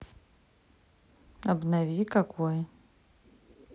обнови какой